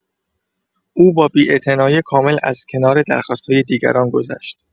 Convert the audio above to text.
او با بی‌اعتنایی کامل از کنار درخواست‌های دیگران گذشت.